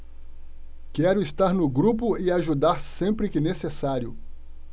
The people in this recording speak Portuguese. quero estar no grupo e ajudar sempre que necessário